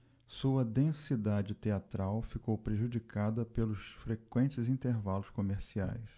sua densidade teatral ficou prejudicada pelos frequentes intervalos comerciais